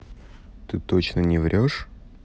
ты точно не врешь